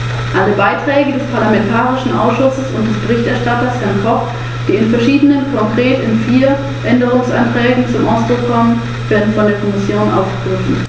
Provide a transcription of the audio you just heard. Herr Präsident, mir ist es ebenso wie meinem Kollegen Herrn Evans eine besondere Freude, erstmals in diesem Haus zu diesem sehr wichtigen Problem das Wort zu ergreifen, zumal ich mit den West Midlands einen Teil des Vereinigten Königreichs vertrete, der bisher in den Genuß von Ziel-2-Fördermitteln gekommen ist.